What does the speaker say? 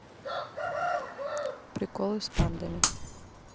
приколы с пандами